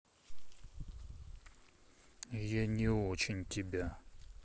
я не очень тебя